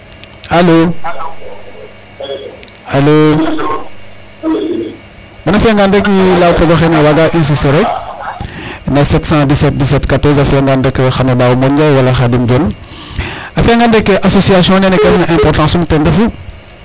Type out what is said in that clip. Alo, alo. bon a fi'angaan rek i laya pog oxene a waaga insister rek na 7171714 a fi'angaan rek xan o daaw Modou Ndiaye wala khadim Dione a fi'angaan rek association ne importance um ten refu i mbaag o njeg dople parce que i ndjegee doole .Parce que tank i njegee doole tigee waagee ñaaƴ.